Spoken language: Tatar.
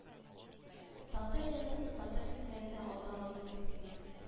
Татыр җәзасы татыр көннәре алда ул имансызның